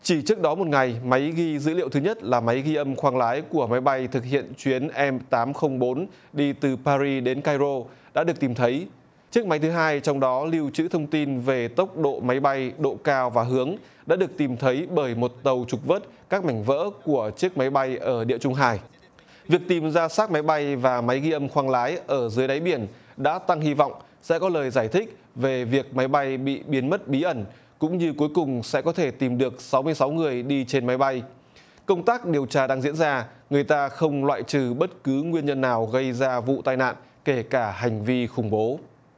chỉ trước đó một ngày máy ghi dữ liệu thứ nhất là máy ghi âm khoang lái của máy bay thực hiện chuyến em tám không bốn đi từ pa ri đến cai rô đã được tìm thấy chiếc máy thứ hai trong đó lưu trữ thông tin về tốc độ máy bay độ cao và hướng đã được tìm thấy bởi một tàu trục vớt các mảnh vỡ của chiếc máy bay ở địa trung hải việc tìm ra xác máy bay và máy ghi âm khoang lái ở dưới đáy biển đã tăng hy vọng sẽ có lời giải thích về việc máy bay bị biến mất bí ẩn cũng như cuối cùng sẽ có thể tìm được sáu mươi sáu người đi trên máy bay công tác điều tra đang diễn ra người ta không loại trừ bất cứ nguyên nhân nào gây ra vụ tai nạn kể cả hành vi khủng bố